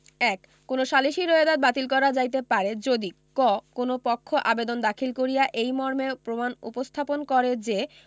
১ কোন সালিসী রোয়েদাদ বাতিল করা যাইতে পারে যদি ক কোন পক্ষ আবেদন দাখিল করিয়া এই মর্মে প্রমাণ উপস্থাপন করে যে